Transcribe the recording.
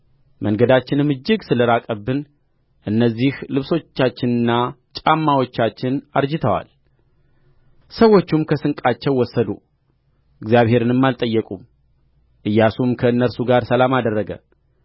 መንገዳችንም እጅግ ስለ ራቀብን እነዚህ ልብሶቻችንና ጫማዎቻችን አርጅተዋል ሰዎቹም ከስንቃቸው ወሰዱ እግዚአብሔርንም አልጠየቁም ኢያሱም ከእነርሱ ጋር ሰላም አደረገ